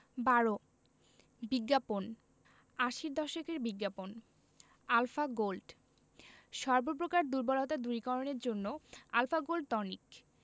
১২ বিজ্ঞাপন আশির দশকের বিজ্ঞাপন আলফা গোল্ড সর্ব প্রকার দুর্বলতা দূরীকরণের জন্য আল্ ফা গোল্ড টনিক